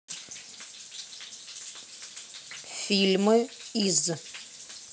фильмы из